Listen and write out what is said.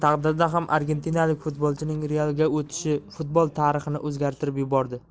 real ga o'tishi futbol tarixini o'zgartirib yubordi